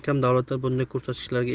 kam davlatlar bunday ko'rsatkichlarga erishgan